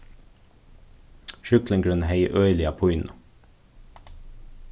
sjúklingurin hevði øgiliga pínu